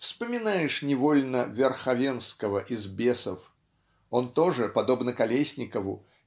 вспоминаешь невольно Верховенского из "Бесов" он тоже подобно Колесникову